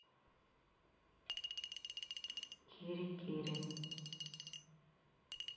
кири кири